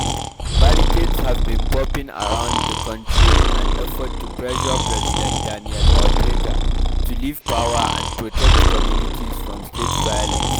Barricades have been popping around the country in an effort to pressure President Daniel Ortega to leave power and protect communities from state violence.